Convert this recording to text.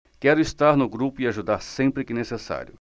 quero estar no grupo e ajudar sempre que necessário